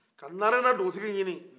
ka narena dugutigi ɲinin